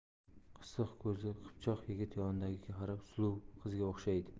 qisiq ko'zli qipchoq yigit yonidagiga qarab suluv qizga o'xshaydi